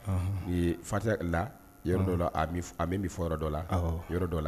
N'i ye la yɔrɔ dɔ a min bɛ fɔ yɔrɔ dɔ la yɔrɔ dɔ la